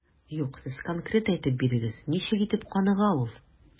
Юк, сез конкрет әйтеп бирегез, ничек итеп каныга ул?